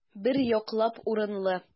Бер яклап урынлы.